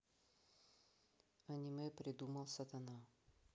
аниме придумал сатана